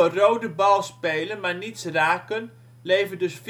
rode bal spelen maar niets raken levert dus